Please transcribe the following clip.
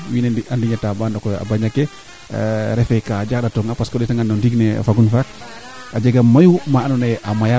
we daaw kaa jeg ke ga'ma ndata ke yenga xene ko ga'a oxa garna bo paama ndat gas yaam koo fañaa wiin ndoq no qol lewo n' est pas